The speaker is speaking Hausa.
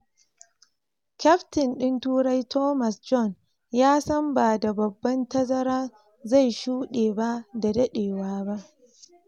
Kyaftin din Turai Thomas Bjorn ya san bada babban tazara zai shuɗe ba da daɗewa ba